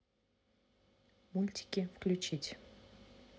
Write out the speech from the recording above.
мультики включить